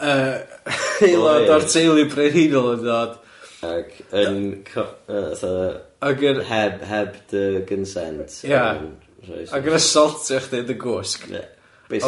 aelod o'r teulu brenhinol yn dod. Ag yn co- yy fatha... Ag yn ...heb heb dy gonsent. Ia, ag yn assaultio chdi yn dy gwsg. Ia basically.